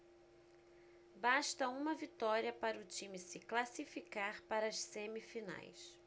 basta uma vitória para o time se classificar para as semifinais